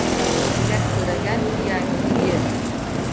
elak so'ragan iyagini yer